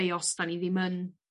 be' os 'dan ni ddim yn